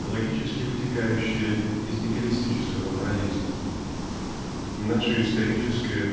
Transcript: логически вытекающее из нигилистического морализма. Наша историческая